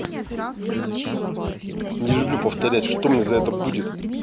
не люблю повторять что мне за это будет